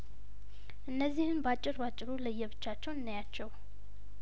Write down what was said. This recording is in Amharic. እነዚህን ባጭር ባጭሩ ለየብቻቸው እንያቸው